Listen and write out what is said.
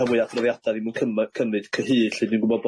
rhan fwya adroddiada ddim yn cyma- cymryd cyhyd lly dwi'n gwbo